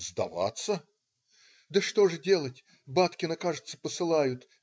- "Сдаваться?!" - "Да что же делать? Баткина, кажется, посылают.